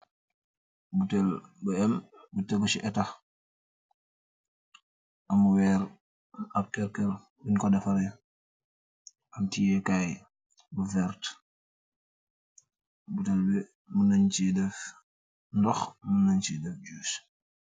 Buteeld bu em bu tegu si eta, am weer...(not clear) buñ ko defaree, am tiyee kaay ,bu vertë. Butel bi muñ nay cee def ndox, muñ nay cee def juus.